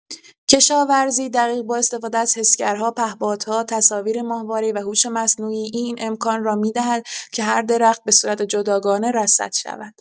کشاورزی دقیق با استفاده از حسگرها، پهپادها، تصاویر ماهواره‌ای و هوش مصنوعی این امکان را می‌دهد که هر درخت به صورت جداگانه رصد شود.